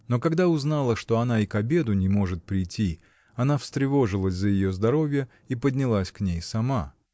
Но когда узнала, что она и к обеду не может прийти, она встревожилась за ее здоровье и поднялась к ней сама.